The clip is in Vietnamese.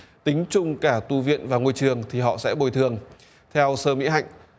tính chung cả tu viện và ngôi trường thì họ sẽ bồi thường theo sơ mỹ hạnh